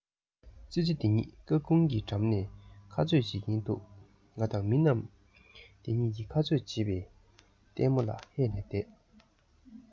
ཙི ཙི དེ གཉིས ཀྱིས སྐར ཁུང གི འགྲམ ནས ཁ རྩོད བྱེད ཀྱིན འདུག ང དང མི རྣམས དེ གཉིས ཀྱིས ཁ རྩོད བྱེད པའི ལྟད མོ ལ ཧད ནས བསྡད